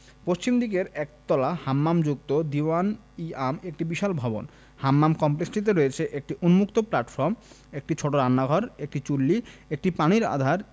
পশ্চিমদিকের একতলা হাম্মাম যুক্ত দীউয়ান ই আম একটি বিশাল ভবন হাম্মাম কমপ্লেক্সটিতে রয়েছে একটি উন্মুক্ত প্লাটফর্ম একটি ছোট রান্নাঘর একটি চুল্লী একটি পানির আধার